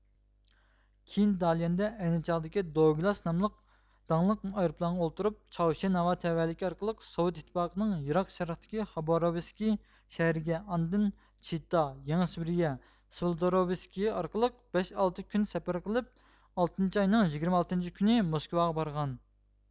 كېيىن داليەندە ئەينى چاغدىكى دوئوگلاس ناملىق داڭلىق ئايروپىلانغا ئولتۇرۇپ چاۋشيەن ھاۋا تەۋەلىكى ئارقىلىق سوۋېت ئىتتىپاقىنىڭ يىراق شەرقتىكى خاباروۋسكى شەھىرىگە ئاندىن چىتا يېڭى سىبېرىيە سىۋىلدروۋىسكى ئارقىلىق بەش ئالتە كۈن سەپەر قىلىپ ئالتىنچى ئاينىڭ يىگىرمە ئالتىنچى كۈنى موسكۋاغا بارغان